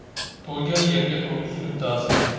to'ygan yerga to'qqiz kun ta'zim